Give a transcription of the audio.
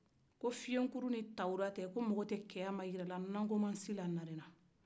ko fiye kulu ni tawura tɛ ko mɔgɔ tɛ kɛya mayira nankomasi la narena